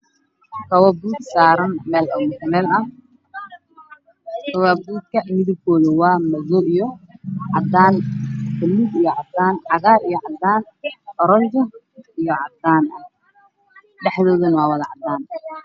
Waa kaba guud oo saaran miis midabkoodii yihiin caddaan madow buluu oron miiska midabkiisa waa caddaan